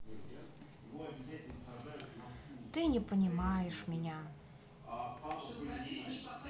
ты не понимаешь меня